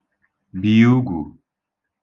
bì ugwù